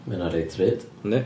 Mae hynna'n reit ddrud... Yndi...